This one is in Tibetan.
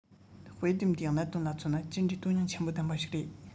དཔེ དེབ འདིའི གནད དོན ལ མཚོན ན ཅི འདྲའི དོན སྙིང ཆེན པོ ལྡན པ ཞིག རེད